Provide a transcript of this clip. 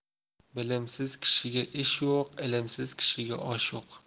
bilimsiz kishiga ish yo'q ilmsiz kishiga osh yo'q